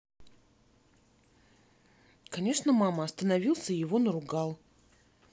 конечно мама остановился и его наругал